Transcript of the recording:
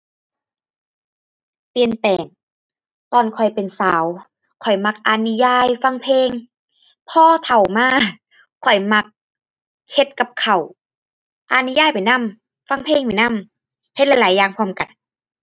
เปลี่ยนแปลง ตอนข้อยเป็นสาวข้อยมักอ่านนิยาย ฟังเพลง พอเฒ่ามาข้อยมักเฮ็ดกับข้าว อ่านนิยายไปนำ ฟังเพลงไปนำ เฮ็ดหลายหลายอย่างพร้อมกัน